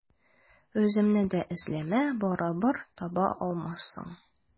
Үземне дә эзләмә, барыбер таба алмассың.